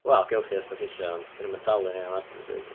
Wel gewch chi os dach chi isio ond dyn nhw ddim yn talu ni am adfyrteisio.